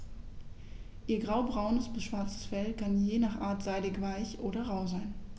Ihr graubraunes bis schwarzes Fell kann je nach Art seidig-weich oder rau sein.